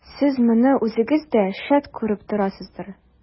Сез моны үзегез дә, шәт, күреп торасыздыр.